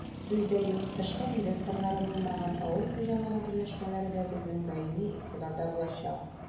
Сүз дә юк, тышкы инвесторлары булмаган авыл хуҗалыгы берләшмәләре дә безнең даими игътибарда булачак.